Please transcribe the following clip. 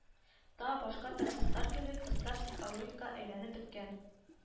Та, башка таксистлар кебек, оста психологка әйләнеп беткән